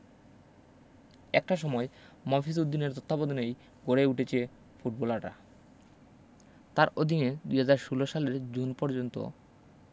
একটা সময় মফিজ উদ্দিনের তত্ত্বাবধানেই গড়ে উঠেছে ফুটবলাররা তাঁর অধীনে ২০১৬ সালের জুন পর্যন্ত